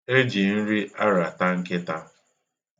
E ji nri arata nkịta.